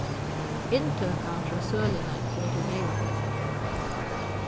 inntøkan frá søluni fer til deyvafelagið